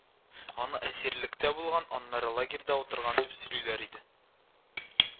Аны әсирлектә булган, аннары лагерьда утырган дип сөйлиләр иде